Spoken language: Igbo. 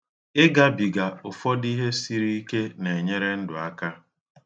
Ịgabiga ụfọdụ ihe siri ike na-enyere ndụ aka.